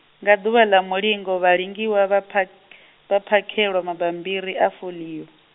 nga ḓuvha ḽa mulingo vhalingiwa vha pha- vha phakhelwa mabambiri a foḽio.